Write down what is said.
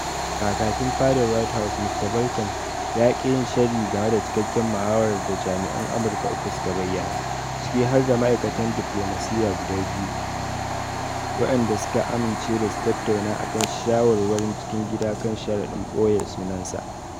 Kakakin Fadar White House Mr. Bolton ya ƙi yin sharhi game da cikakken muhawarar da jami'an Amurka uku suka bayyana, ciki harda ma'aikatan diplomasiyya guda biyu, waɗanda suka amince da su tattauna akan shawarwarin cikin gida kan sharaɗin ɓoye sunansa.